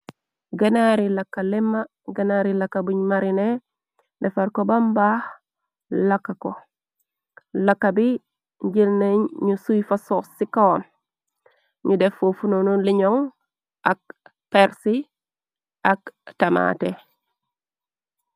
genaari lakka lima genaari laka buñ marine defar ko bambaax laka ko laka bi njëlne ñu suy fa sox ci koon ñu defu funonu liñoŋ ak persi ak tamaate